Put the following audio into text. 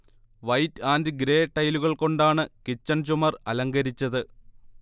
white and grey ടൈലുകൾ കൊണ്ടാണ് kitchen ചുമർ അലങ്കരിച്ചത്